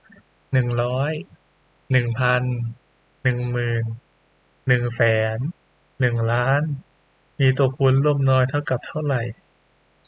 หนึ่งร้อยหนึ่งพันหนึ่งหมื่นหนึ่งแสนหนึ่งล้านมีตัวคูณร่วมน้อยเท่ากับเท่าไหร่